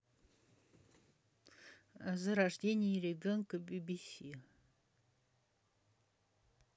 за рождение ребенка bbc